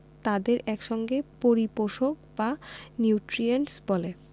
তাদের এক সঙ্গে পরিপোষক বা নিউট্রিয়েন্টস বলে